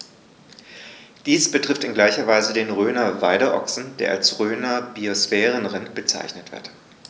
Dies betrifft in gleicher Weise den Rhöner Weideochsen, der auch als Rhöner Biosphärenrind bezeichnet wird.